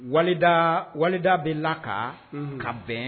Wali walida bɛ laka ka bɛn